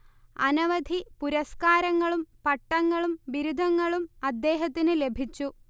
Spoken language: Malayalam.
അനവധി പുരസ്കാരങ്ങളും പട്ടങ്ങളും ബിരുദങ്ങളും അദ്ദേഹത്തിനു ലഭിച്ചു